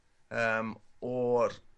yym o'r